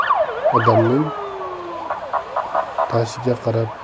odamning tashiga qarab